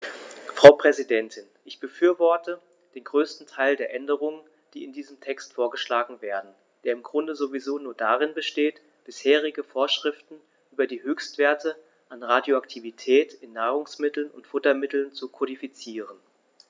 Frau Präsidentin, ich befürworte den größten Teil der Änderungen, die in diesem Text vorgeschlagen werden, der im Grunde sowieso nur darin besteht, bisherige Vorschriften über die Höchstwerte an Radioaktivität in Nahrungsmitteln und Futtermitteln zu kodifizieren.